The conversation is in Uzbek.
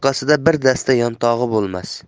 dasta yantog'i bo'lmas